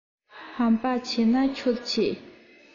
ཧམ པ ཆེ ན ཁྱོད ཆེ